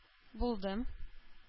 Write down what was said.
Булдым